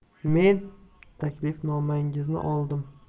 men taklifnomangizni oldim